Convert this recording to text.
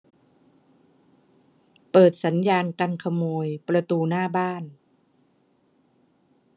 เปิดสัญญาณกันขโมยประตูหน้าบ้าน